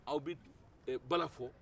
aw bɛ balan fɔ